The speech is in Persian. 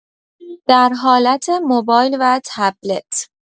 در حالت موبایل و تبلیت